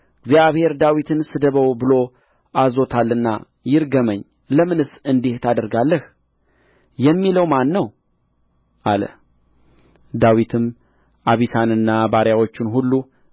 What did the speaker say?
እግዚአብሔር ዳዊትን ስደበው ብሎ አዝዞታልና ይርገመኝ ለምንስ እንዲህ ታደርጋለህ የሚለው ማን ነው አለ ዳዊትም አቢሳንና ባሪያዎቹን ሁሉ